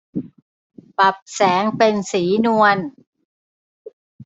ปรับแสงเป็นสีนวล